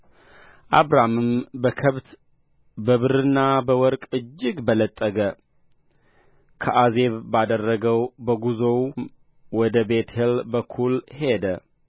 ያም ስፍራ አስቀድሞ በቤቴልና በጋይ መካከል ድንኳን ተክሎበት የነበረው ነው ያም ስፍራ አስቀድሞ መሠውያ የሠራበት ነው